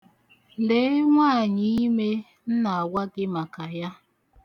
Lee nwaànyị̀ime m na-agwa gị maka ya.